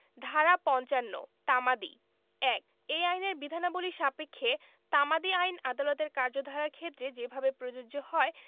ধারা ৫৫ তামাদি ১ এই আইনের বিধানাবলী সাপেক্ষে তামাদি আইন আদালতের কার্যধারার ক্ষেত্রে যেভাবে প্রযোজ্য হয়